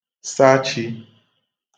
sa chi